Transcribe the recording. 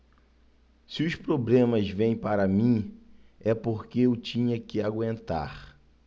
se os problemas vêm para mim é porque eu tinha que aguentar